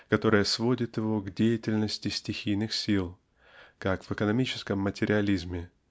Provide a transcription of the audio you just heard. которое сводит его к деятельности стихийных сил (как в экономическом материализме)